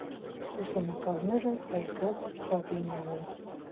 Լուսանկարները՝ Հայգազ Կրադենյանի։